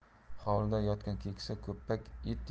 hovlida yotgan keksa ko'ppak it